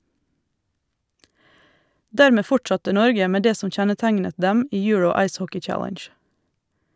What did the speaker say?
Dermed fortsatte Norge med det som kjennetegnet dem i Euro Ice Hockey Challenge.